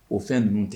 O fɛn dun tɛ